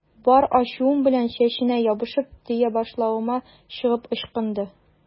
Бар ачуым белән чәченә ябышып, төя башлавыма чыгып ычкынды.